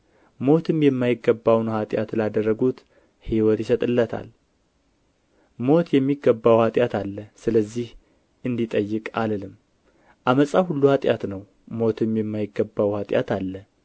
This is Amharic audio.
ሞትም የማይገባውን ኃጢአት ላደረጉት ሕይወት ይሰጥለታል ሞት የሚገባው ኃጢአት አለ ስለዚያ እንዲጠይቅ አልልም ዓመፃ ሁሉ ኃጢአት ነው ሞትም የማይገባው ኃጢአት አለ